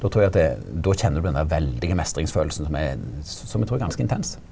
då trur eg at det då kjenner du på den der veldige meistringsfølelsen som er som eg trur er ganske intens.